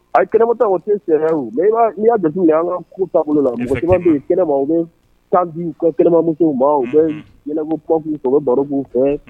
A kɛlɛmata o sɛ mɛ n'i'a dusu an ka ku ta la kɛnɛma u bɛ pan u ka kɛlɛmamuso u bɛbolo panp u bɛ baro bu fɛ